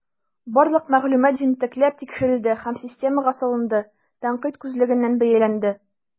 Барлык мәгълүмат җентекләп тикшерелде һәм системага салынды, тәнкыйть күзлегеннән бәяләнде.